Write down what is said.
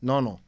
non non